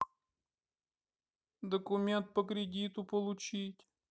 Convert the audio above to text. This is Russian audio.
документ по кредиту получить